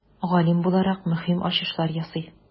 Галим буларак, мөһим ачышлар ясый.